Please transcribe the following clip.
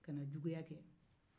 kana juguya kɛ